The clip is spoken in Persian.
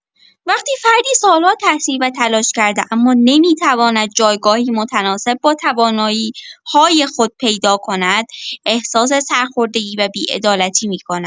وقتی فردی سال‌ها تحصیل و تلاش کرده اما نمی‌تواند جایگاهی متناسب با توانایی‌های خود پیدا کند، احساس سرخوردگی و بی‌عدالتی می‌کند.